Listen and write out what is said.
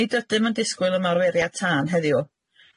Nid ydym yn disgwyl ymarferiad tân heddiw,